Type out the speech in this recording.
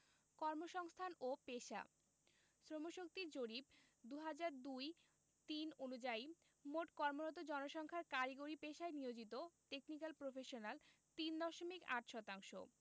কর্মসংস্থান ও পেশাঃ শ্রমশক্তি জরিপ ২০০২ ৩ অনুযায়ী মোট কর্মরত জনসংখ্যার কারিগরি পেশায় নিয়োজিত টেকনিকাল প্রফেশনাল ৩ দশমিক ৮ শতাংশ